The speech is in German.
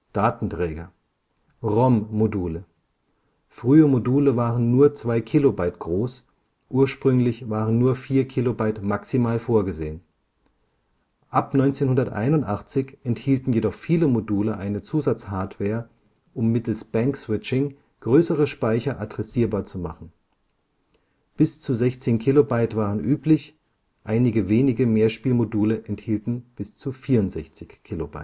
Datenträger: ROM-Module. Frühe Module waren nur 2 kB groß, ursprünglich waren nur 4 kB maximal vorgesehen. Ab 1981 enthielten jedoch viele Module eine Zusatzhardware, um mittels Bank Switching größere Speicher adressierbar zu machen. Bis zu 16 kB waren üblich, einige wenige Mehrspielmodule enthielten bis zu 64 kB